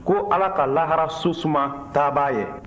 ko ala ka laharaso suma taabaa ye